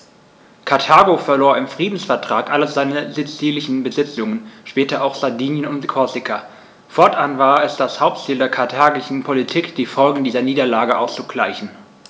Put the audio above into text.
Karthago verlor im Friedensvertrag alle seine sizilischen Besitzungen (später auch Sardinien und Korsika); fortan war es das Hauptziel der karthagischen Politik, die Folgen dieser Niederlage auszugleichen.